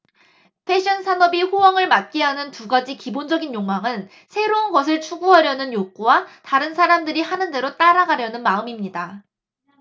패션 산업이 호황을 맞게 하는 두 가지 기본적인 욕망은 새로운 것을 추구하려는 욕구와 다른 사람들이 하는 대로 따라가려는 마음입니다